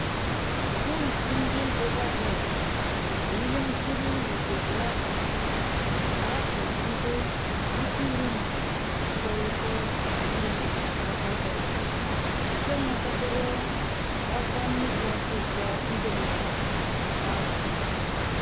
Who's Singin' Over There? bụ ihe nkiri Yugoslavia nke afọ ndị 1980 nke nwetagoro ọkwa nnukwu osiso ndị mmadụ na Balkan.